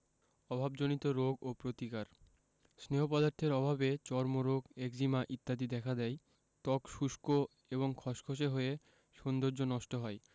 অভাবজনিত রোগ ও প্রতিকার স্নেহ পদার্থের অভাবে চর্মরোগ একজিমা ইত্যাদি দেখা দেয় ত্বক শুষ্ক এবং খসখসে হয়ে সৌন্দর্য নষ্ট হয়